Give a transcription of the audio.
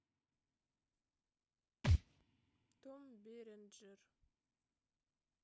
том беренджер